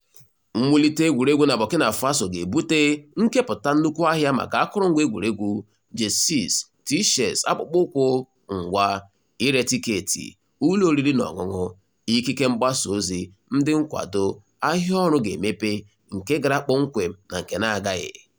Mwulite egwuruegwu na Burkina Faso ga-ebute nkepụta nnukwu ahịa maka akụrụngwa egwuruegwu (jerseys, T-shirts, akpụkpọụkwụ, ngwa), ire tikeeti, ụlọoriri na ọṅụṅụ, ikike mgbasaozi, ndị nkwado ... Ahịa ọrụ ga-emepe, nke gara kpọmkwem na nke na-agaghị.